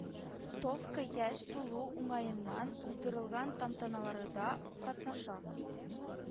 Товка яшь тулу уңаеннан уздырылган тантаналарда катнаша,